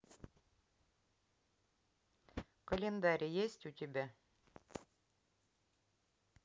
календарь есть у тебя